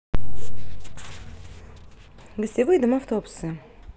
гостевые дома в туапсе